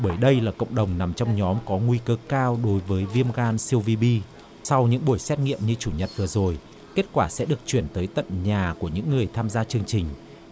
bởi đây là cộng đồng nằm trong nhóm có nguy cơ cao đối với viêm gan siêu vi bi sau những buổi xét nghiệm như chủ nhật vừa rồi kết quả sẽ được chuyển tới tận nhà của những người tham gia chương trình